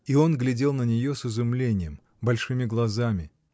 И он глядел на нее с изумлением, большими глазами.